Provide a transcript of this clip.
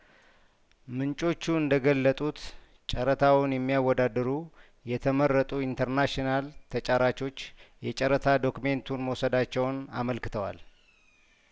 ምንጮቹ እንደገለጡት ጨረታውን የሚያወዳደሩ የተመረጡ ኢተርናሽናል ተጫራቾች የጨረታ ዶክሜንቱን መውሰዳቸውን አመልክተዋል